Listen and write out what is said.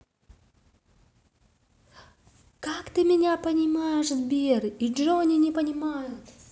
только ты меня понимаешь сбер и джонни не понимает